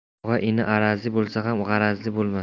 og'a ini arazli bo'lsa ham g'arazli bo'lmas